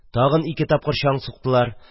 Тагын ике тапкыр чаң суктылар